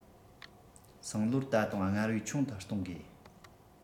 སང ལོར ད དུང སྔར བས ཆུང དུ གཏོང དགོས